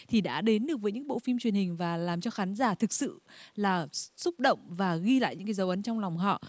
thì đã đến được với những bộ phim truyền hình và làm cho khán giả thực sự là xúc động và ghi lại những dấu ấn trong lòng họ